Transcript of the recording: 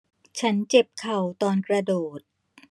ฉันเจ็บเข่าตอนกระโดด